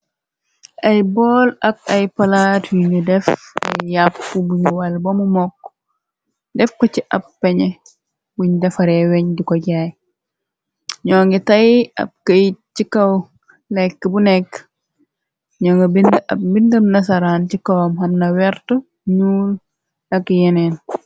Ay bool ak ay palaat yuñu def ay yàpp buñu wàl bamu mokk def ko ci ab peñe buñ defaree weñ di ko jaay ñoo ngi tay ab këy ci kaw lekk bu nekk ñoo nga ab bindëm nasaraan ci kowom xamna wert ñuul ak yeneen.